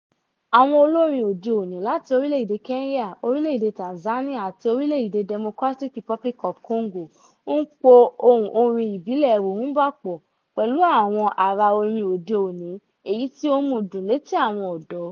Àwọn olórin òde òní láti orílẹ̀ èdè Kenya, orílẹ̀ èdè Tanzania àti orílẹ̀ èdè Democratic Republic of Congo ń po ohùn orin ibile Rhumba pọ̀ pẹ̀lú àwọn àrà orin òde òní, èyí tí ó ń mú u dùn létí àwọn ọ̀dọ́.